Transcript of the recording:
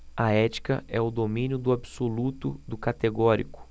a ética é o domínio do absoluto do categórico